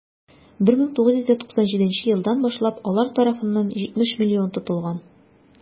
1997 елдан башлап алар тарафыннан 70 млн тотылган.